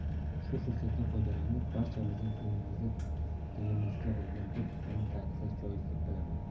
shu fursatdan foydalanib barchamizning ko'nglimizda dilimizda bo'lgan bir fikrni ta'kidlash joiz deb bilaman